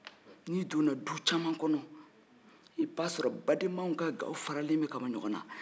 n'i donna du caman kɔnɔ i ba sɔrɔ badenmaw ka ga faralen bɛ ka bɔ ɲɔgɔn na